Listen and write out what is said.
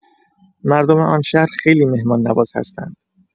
مردم آن شهر خیلی مهمان‌نواز هستند